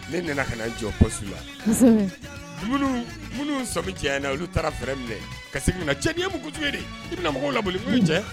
Ne nana ka na n jɔ poste la, minnu sɔmi janyara olu taara frein minɛ ka segin ka na cɛ nin ye mun ko ye de, i bɛna mɔgɔw laboli n ko cɛ